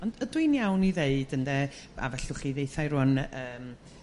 Ond ydw i'n iawn i ddeud ynde a f'allwch chi dd'eutha' i rwan yrm